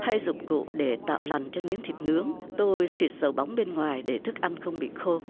hay dụng cụ để tạo lằn cho miếng thịt nướng tôi chỉ sợ bóng bên ngoài để thức ăn không bị khô